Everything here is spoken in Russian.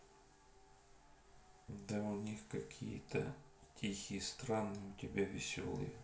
да у них какие то тихие странные у тебя веселые